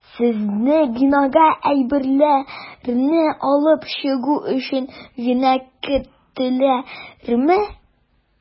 Сезне бинага әйберләрне алып чыгу өчен генә керттеләрме?